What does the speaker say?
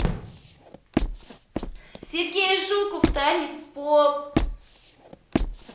сергей жуков танец поп